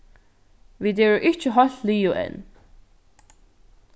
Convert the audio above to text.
vit eru ikki heilt liðug enn